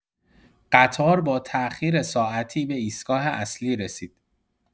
قطار با تاخیر ساعتی به ایستگاه اصلی رسید.